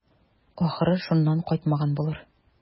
Ахры, шуннан кайтмаган булыр.